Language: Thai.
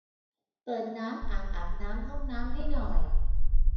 เปิดน้ำอ่างอาบน้ำห้องน้ำให้หน่อย